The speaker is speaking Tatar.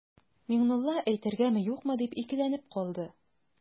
Миңнулла әйтергәме-юкмы дип икеләнеп калды.